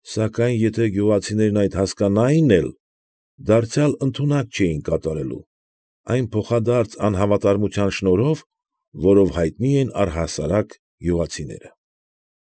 Սակայն եթե գյուղացիներն այդ հասկանային էլ, դարձյալ ընդունակ չէին կատարելու, այն փոխադարձ անհավատարմության շնորհով, որով հայտնի են առհասարակ գյուղացիները։